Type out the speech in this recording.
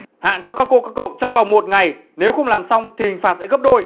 hạn cho các cô các cậu trong vòng một ngày nếu không làm xong thì hình phạt sẽ gấp đôi